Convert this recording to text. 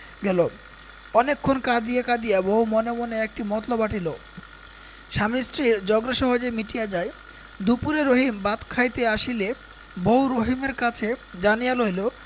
গেল অনেকক্ষণ কাঁদিয়া কাঁদিয়া বউ মনে মনে একটি মতলব আঁটিল স্বামী স্ত্রীর ঝগড়া সহজেই মিটিয়া যায় দুপুরে রহিম ভাত খাইতে আসিলে বউ রহিমের কাছে জানিয়া লইল